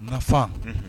Nafafa